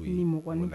Bi mɔgɔn